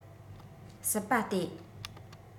སྲིད པ སྟེ